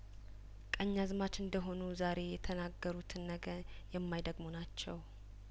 ቀኛዝማች እንደሆኑ ዛሬ የተናገሩትን ነገ የማይደግሙ ናቸው